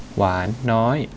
หวานน้อย